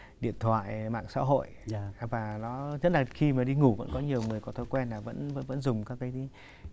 điện thoại mạng xã hội và và nó rất là khi mà đi ngủ vẫn có nhiều người có thói quen là vẫn vẫn vẫn dùng các cái